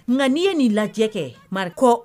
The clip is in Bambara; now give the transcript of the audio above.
Nka n'i ye nin lajɛ kɛ marikɔ